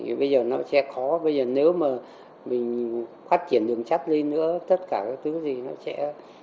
hiện bây giờ nó sẽ khó vì nếu mà mình phát triển đường sát lên nữa tất cả các thứ gì nó sẽ